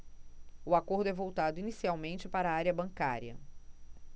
o acordo é voltado inicialmente para a área bancária